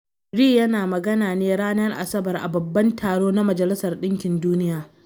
Ri yana magana ne ranar Asabar a Babban Taro na Majalisar Ɗinkin Duniya.